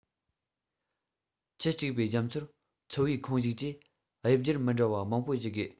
ཁྱུ གཅིག པའི རྒྱ མཚོར འཚོ བའི ཁོངས ཞུགས ཀྱིས དབྱིབས འགྱུར མི འདྲ བ མང པོ བརྒྱུད དགོས